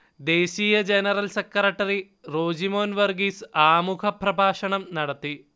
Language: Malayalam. ദേശീയ ജനറൽ സെക്രട്ടറി റോജിമോൻ വർഗ്ഗീസ് ആമുഖപ്രഭാഷണം നടത്തി